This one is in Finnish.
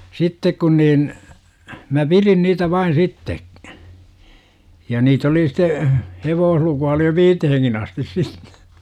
sitten kun niin minä pidin niitä vain sitten ja niitä oli sitten hevoslukua oli jo viiteenkin asti sitten